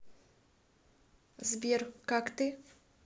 сбер как ты